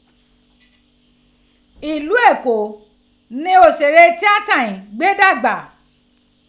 Ilu Eko ni oṣere tiata ghin gbe dagba.